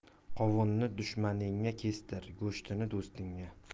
qovunni dushmaningga kestir go'shtni do'stingga